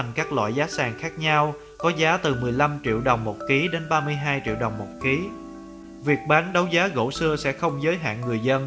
để phân thành các loại giá sàn khác nhau có giá từ triệu đồng đến triệu đồng kg việc bán đấu giá gỗ sưa sẽ không giới hạn người dân